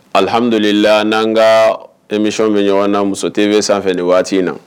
Alihamdulila n'an ka emiyw bɛ ɲɔgɔn na muso te bɛ sanfɛ waati in na